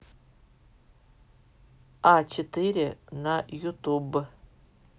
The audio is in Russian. а четыре на ютуб